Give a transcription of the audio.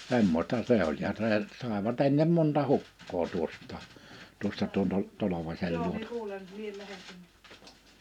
semmoista se oli ja se saivat ennen monta hukkaa tuosta tuosta tuon - Tolvasen luota